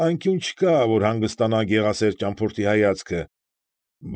Անկյուն չկա, ուր հանգստանա գեղասեր ճամփորդի հայացքը։